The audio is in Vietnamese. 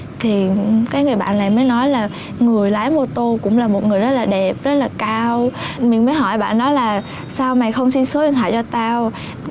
thì cái người bạn này mới nói là người lái mô tô cũng là một người rất là đẹp rất là cao mình mới hỏi bạn đó là sao mày không xin số điện thoại cho tao